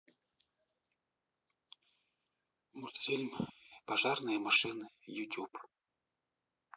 мультфильм пожарные машины ютуб